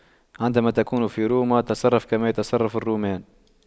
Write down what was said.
عندما تكون في روما تصرف كما يتصرف الرومان